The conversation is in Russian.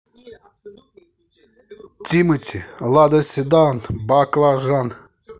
тимати лада седан баклажан